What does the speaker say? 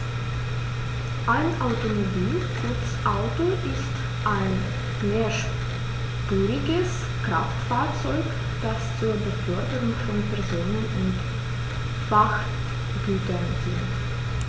Ein Automobil, kurz Auto, ist ein mehrspuriges Kraftfahrzeug, das zur Beförderung von Personen und Frachtgütern dient.